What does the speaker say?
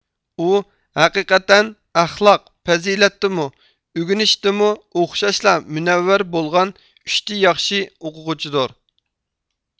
ئۇ ھەقىقەتەن ئەخلاق پەزىلەتتىمۇ ئۆگىنىشىتىمۇ ئوخشاشلا مۇنەۋۋەر بولغان ئۈچتە ياخشى ئوقۇغۇچىدۇر